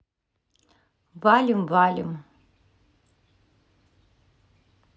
валим валим